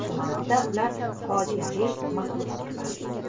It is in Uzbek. shu manoda ular fojeali maxluqlardir